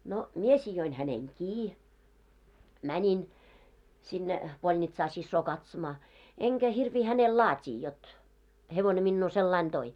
no minä sidoin hänen kiinni menin sinne polnitsaan siskoa katsomaan enkä hirviä hänelle laatia jotta hevonen minua sillä lailla toi